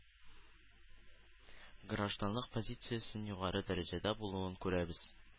Гражданлык позициясенең югары дәрәҗәдә булуын күрәбез